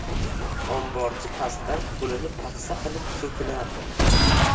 omborchi pastda qo'lini paxsa qilib so'kinardi